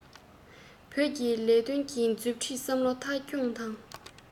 ཐོག མཐའ བར གསུམ དུ བཅས དུས སྐབས གསར པའི